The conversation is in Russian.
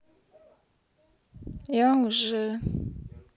я уже